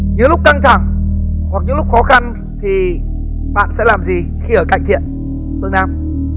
những lúc căng thẳng hoặc những lúc khó khăn thì bạn sẽ làm gì khi ở cạnh thiện phương nam